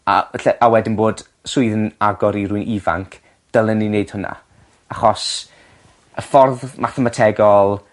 a falle a wedyn bod swydd 'n agor i rywun ifanc dylen ni neud hwnna. Achos y ffordd mathemategol